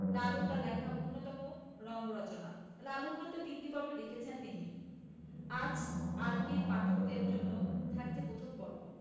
লালু তার লেখা অন্যতম রম্য রচনা লালু মূলত তিনটি পর্বে লিখেছিলেন তিনি আজ আরকির পাঠকদের জন্যে থাকছে প্রথম পর্ব